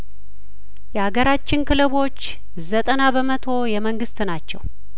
የሀገራችን ክለቦች ዘጠና በመቶ የመንግስት ናቸው